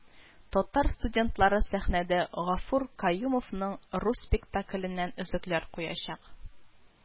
Татар студентлары сәхнәдә Гафур Каюмовның Ыру спектакленнән өзекләр куячак